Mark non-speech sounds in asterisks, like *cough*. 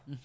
*hesitation* *hesitation*